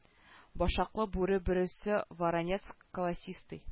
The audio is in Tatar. Башаклы бүре бөресе воронец колосистый